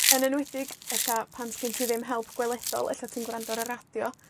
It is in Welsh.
Yn enwedig, ella, pan 'sgen ti ddim help gweledol. Ella ti'n gwrando ar y radio.